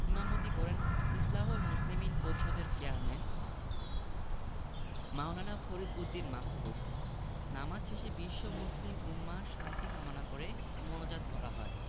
ইমামতি করেন ইসলাহুল মুসলিমিন পরিষদের চেয়ারম্যান মাওলানা ফরিদ উদ্দীন মাসউদ নামাজ শেষে বিশ্ব মুসলিম উম্মাহর শান্তি কামনা করে মোনাজাত করা হয়